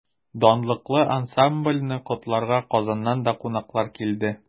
Данлыклы ансамбльне котларга Казаннан да кунаклар килде.